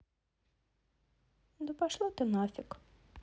да пошла ты нафиг